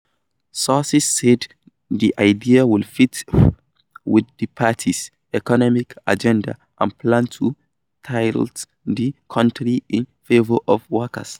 Sources said the idea would 'fit' with the party's economic agenda and plans to tilt the country in favor of workers.